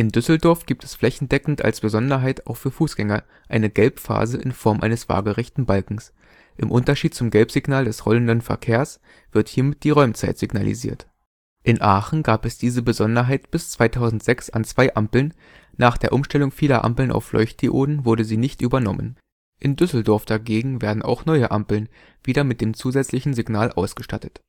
Düsseldorf gibt es flächendeckend als Besonderheit auch für Fußgänger eine Gelbphase in Form eines waagerechten Balkens, im Unterschied zum Gelbsignal des rollenden Verkehrs wird hiermit die Räumzeit signalisiert. In Aachen gab es diese Besonderheit bis 2006 an zwei Ampeln, nach der Umstellung vieler Ampeln auf Leuchtdioden wurde sie nicht übernommen. In Düsseldorf dagegen werden auch neue Ampeln wieder mit dem zusätzlichen Signal ausgestattet